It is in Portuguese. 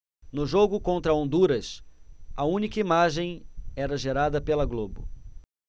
no jogo contra honduras a única imagem era gerada pela globo